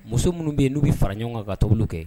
Muso minnu bɛ n'u bɛ fara ɲɔgɔn kan ka tobili k ɛ